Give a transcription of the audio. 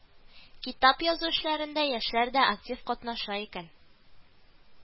Китап язу эшләрендә яшьләр дә актив катнаша икән